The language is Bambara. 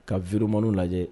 Ka vim lajɛ